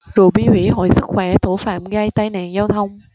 rượu bia hủy hoại sức khỏe thủ phạm gây tai nạn giao thông